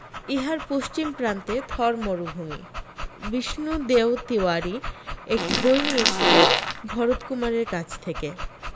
ইহার পশ্চিম প্রান্তে থর মরুভূমি বিষণু দেও তিওয়ারি একটি বই নিয়েছিলো ভরত কুমারের কাছ থেকে